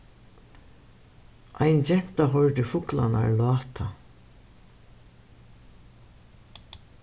ein genta hoyrdi fuglarnar láta